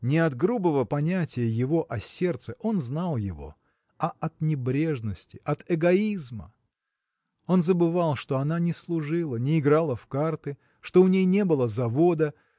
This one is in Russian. не от грубого понятия его о сердце – он знал его – а от небрежности от эгоизма! Он забывал что она не служила не играла в карты что у ней не было завода